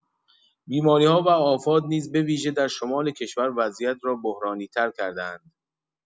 بیماری‌ها و آفات نیز به‌ویژه در شمال کشور وضعیت را بحرانی‌تر کرده‌اند.